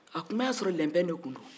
a tuma y'a sɔrɔ lɛnpɛn de tun don